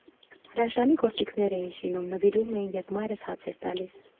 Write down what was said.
Հրաշալի գործիքներ էին շինում, նվիրում էին, երբ մայրս հաց էր տալիս։